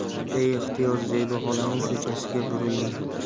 beixtiyor zebi xolaning ko'chasiga burildim